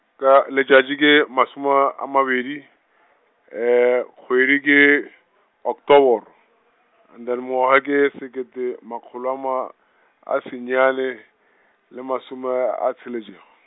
ka, letšatši ke, masome a mabedi , kgwedi ke, Oktobore, and then ngwaga ke sekete makgolo a ma, a senyane, le masome a tsheletšego.